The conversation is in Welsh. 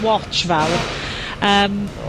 watch fawr, yym,